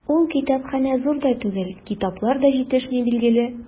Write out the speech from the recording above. Ул китапханә зур да түгел, китаплар да җитешми, билгеле.